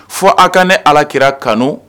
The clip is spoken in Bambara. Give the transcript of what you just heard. Fɔ a ka ne alakira kanu.